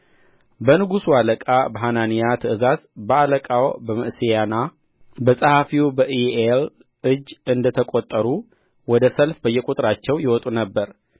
በንጉሡ አለቃ በሐናንያ ትእዛዝ በአለቃው በመዕሤያና በጸሐፊው በይዒኤል እጅ እንደ ተቈጠሩ ወደ ሰልፍ በየቍጥራቸው ይወጡ ነበር